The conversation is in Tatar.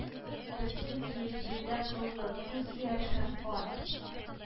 «бетсен,— диеп,— җирдә коллык, күз-яшь һәм кан!»